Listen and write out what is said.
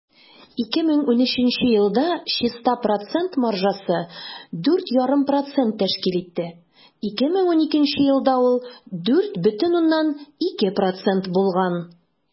2013 елда чиста процент маржасы 4,5 % тәшкил итте, 2012 елда ул 4,2 % булган.